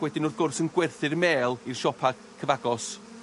wedyn wrth gwrs yn gwerthu'r mêl i'r siopa' cyfagos.